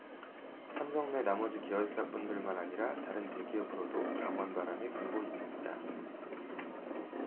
삼성 내 나머지 계열사들뿐만 아니라 다른 대기업으로도 감원바람이 불고 있습니다